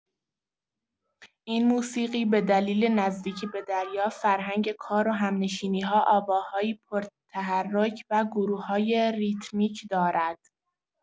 این موسیقی به دلیل نزدیکی به دریا، فرهنگ کار و هم‌نشینی‌ها، آواهایی پرتحرک و گروه‌های ریتمیک دارد.